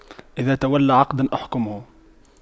إذا تولى عقداً أحكمه